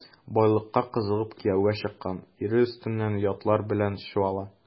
Байлыкка кызыгып кияүгә чыккан, ире өстеннән ятлар белән чуала.